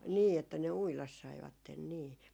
niin että ne uida saivat niin